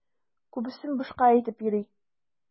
Күбесен бушка әйтеп йөри.